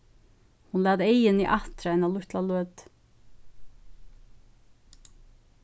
hon læt eyguni aftur eina lítla løtu